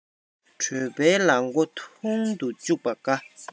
གྲོད པའི ལག མགོ ཐུང དུ བཅུག པ དགའ